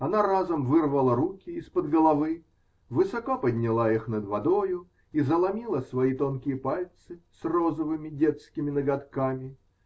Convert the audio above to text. Она разом вырвала руки из-под головы, высоко подняла их над водою и заломила свои тонкие пальцы с розовыми детскими ноготками.